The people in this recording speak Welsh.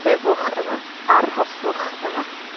sefwch yma, arhoswch yma.